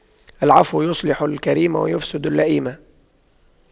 العفو يصلح الكريم ويفسد اللئيم